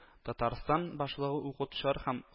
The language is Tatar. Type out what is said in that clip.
Татарстан башлыгы укытучылар һәм